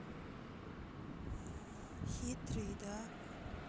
хитрый да